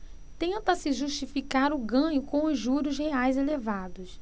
tenta-se justificar o ganho com os juros reais elevados